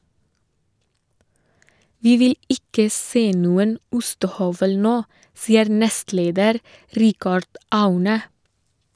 - Vi vil ikke se noen ostehøvel nå, sier nestleder Richard Aune.